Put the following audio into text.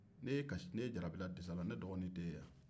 n'e jarabira disa la ne dɔgɔnin t'e ye wa